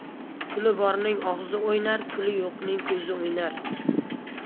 puli borning og'zi o'ynar puli yo'qning ko'zi o'ynar